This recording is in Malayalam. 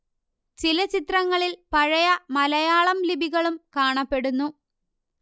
ചില ചിത്രങ്ങളിൽ പഴയ മലയാളം ലിപികളും കാണപ്പെടുന്നു